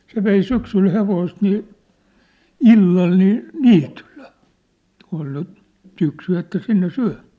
se vei syksyllä hevosta niin illalla niin niityllä kun oli nyt syksy että sinne syömään